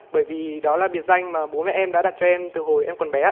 bởi vì đó là biệt danh mà bố mẹ em đã đặt cho em từ hồi em còn bé ạ